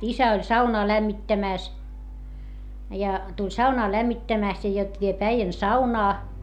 isä oli saunaan lämmittämässä ja tuli saunaa lämmittämästä ja jotta vie äijän saunaan